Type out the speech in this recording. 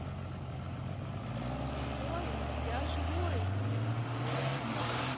ой я живой